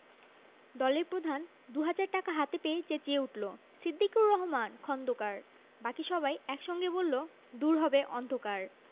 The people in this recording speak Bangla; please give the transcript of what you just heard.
দলের প্রধান দু'হাজার টাকা হাতে পেয়ে চেঁচিয়ে ওঠল সিদ্দিকুর রহমান খোন্দকার বাকি সবাই এক সঙ্গে বলল দূর হবে অন্ধকার